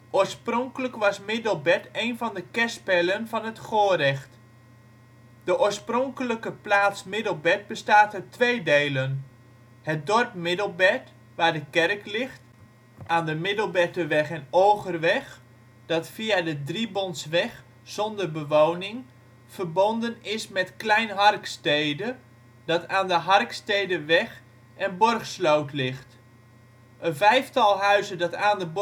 Oorspronkelijk was Middelbert een van de kerspelen van het Gorecht. De oorspronkelijke plaats Middelbert bestaat uit twee delen: Het dorp Middelbert waar de kerk ligt, aan de Middelberterweg en Olgerweg, dat via de Driebondsweg (zonder bewoning) verbonden is met Klein-Harkstede dat aan de Harkstederweg en Borgsloot ligt. Een vijftal huizen dat aan de